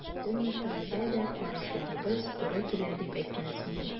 Бөтен мәсьәләдә дә карашларыбыз туры килә дип әйтмәс идем.